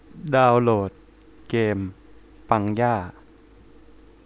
ดาวโหลดเกมปังย่า